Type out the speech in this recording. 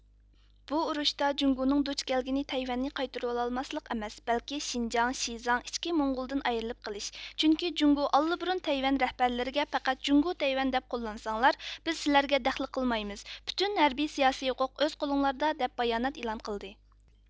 بۇ ئۇرۇشتا جۇڭگونىڭ دۇچ كەلگىنى تەيۋەننى قايتۇرۋالالماسلىق ئەمەس بەلكى شىنجاڭ شىزاڭ ئىچكى موڭغۇلدىن ئايرىلىپ قېلىش چۈنكى جۇڭگۇ ئاللىبۇرۇن تەيۋەن رەھبەرلىرىگە پەقەت جۇڭگۇ تەيۋەن دەپ قوللانساڭلار بىز سىلەرگە دەخلى قىلمايمىز پۈتۈن ھەربى سىياسى ھوقۇق ئۆز قولۇڭلاردا دەپ بايانات ئېلان قىلدى